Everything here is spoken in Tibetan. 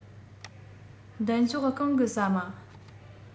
མདུན ལྕོག གང གི ཟ མ